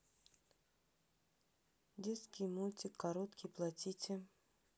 детский мультик короткий платите